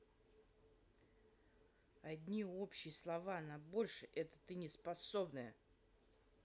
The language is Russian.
одни общие слова на больше это не способная